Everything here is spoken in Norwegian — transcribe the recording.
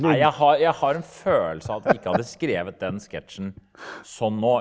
nei jeg har jeg har en følelse av at vi ikke hadde skrevet den sketsjen sånn nå.